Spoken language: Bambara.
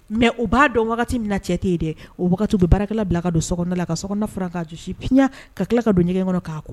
Mɛ u b'a dɔn wagati min na cɛ tɛ yen dɛ o wagati bɛ baarakɛla bila a ka don so la ka so ka jusiya ka tila ka don ɲɛgɛn kɔnɔ k'a kɔ